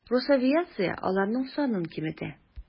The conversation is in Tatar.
Росавиация аларның санын киметә.